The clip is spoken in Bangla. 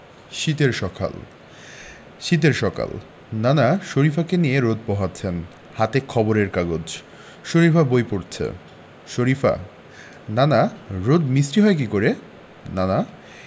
শীতের সকাল শীতের সকাল নানা শরিফাকে নিয়ে রোদ পোহাচ্ছেন হাতে খবরের কাগজ শরিফা বই পড়ছে শরিফা নানা রোদ মিষ্টি হয় কী করে নানা